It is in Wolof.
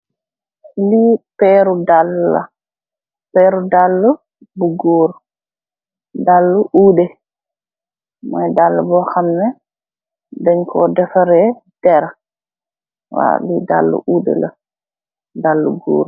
Li piru daala la peri daala bu goor daalu odeh moi daala bu hemeneh deng ko defareh deer waw daali odeh la daali goor.